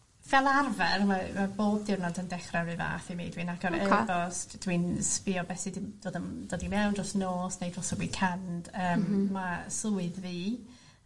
Fel arfer mae mae bob diwrnod yn dechra 'r un fath i mi. Oce. Dwi'n agor e-bost dwi'n sbio be' sy 'di dod ym- dod i mewn dros nos neu dros y weekend yym... Mhm. ...ma' swydd fi